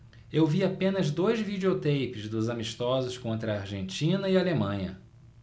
eu vi apenas dois videoteipes dos amistosos contra argentina e alemanha